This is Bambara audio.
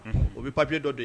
Unhun. O be papier dɔ de